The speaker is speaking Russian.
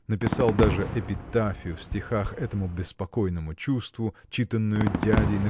написал даже эпитафию в стихах этому беспокойному чувству читанную дядей